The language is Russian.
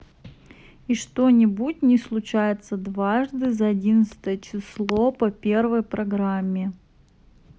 и что нибудь не случается дважды за одиннадцатое число по первой программе